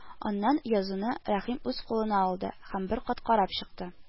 Аннан язуны Рәхим үз кулына алды һәм бер кат карап чыкты